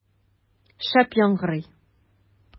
Шәп яңгырый!